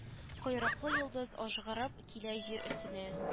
Койрыклы йолдыз ажгырып килә җир өстенә